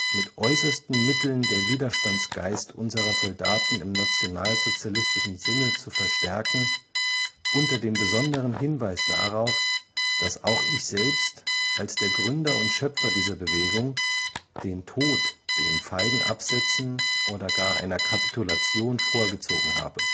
mit äußersten Mitteln den Widerstandsgeist unserer Soldaten im nationalsozialistischen Sinne zu verstärken unter dem besonderen Hinweis darauf, dass auch ich selbst, als der Gründer und Schöpfer dieser Bewegung, den Tod dem feigen Absetzen oder gar einer Kapitulation vorgezogen habe